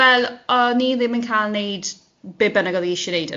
Wel o'n i ddim yn cael wneud be' bynnag oedd hi isie 'neud